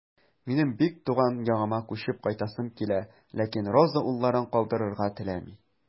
Минем бик туган ягыма күчеп кайтасым килә, ләкин Роза улларын калдырырга теләми.